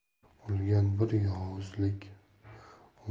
olgan bir yozug'lik